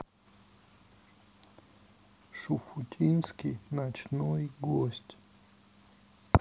шуфутинский ночной гость